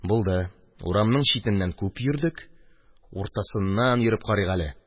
Булды, урамның читеннән күп йөрдек, уртасыннан йөреп карыйк әле.